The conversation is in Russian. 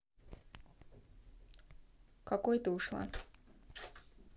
какой ты ушла